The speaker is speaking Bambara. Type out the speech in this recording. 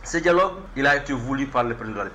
Ce dialogue il a été voulu par le président de la république